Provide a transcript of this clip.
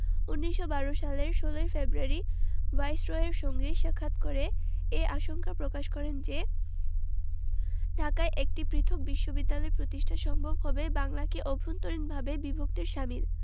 ১৯১২ সালের ১৬ ফেব্রুয়ারি ভাইসরয়ের সঙ্গে সাক্ষাৎ করে এ আশঙ্কা প্রকাশ করেন যে ঢাকায় একটি পৃথক বিশ্ববিদ্যালয় প্রতিষ্ঠা সম্ভবত হবে বাংলাকে অভ্যন্তরীণভাবে বিভক্তির শামিল